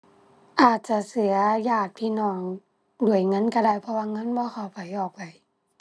อาจจะเสียญาติพี่น้องด้วยเงินก็ได้ เพราะว่าเงินบ่เข้าไผออกไผ